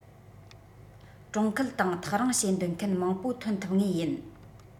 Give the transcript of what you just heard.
གྲོང ཁུལ དང ཐག རིང བྱེད འདོད མཁན མང པོ ཐོན ཐུབ ངེས ཡིན